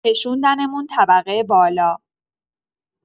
کشوندمون طبقه بالا.